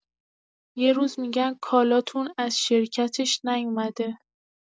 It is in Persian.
یه روز می‌گن کالاتون از شرکتش نیومده.